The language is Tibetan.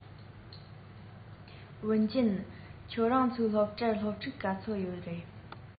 ཝུན ཅུན ཁྱོད རང ཚོའི སློབ གྲྭར སློབ ཕྲུག ག ཚོད ཡོད རེད